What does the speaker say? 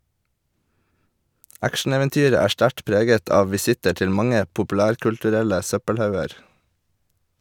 Actioneventyret er sterkt preget av visitter til mange populærkulturelle søppelhauger.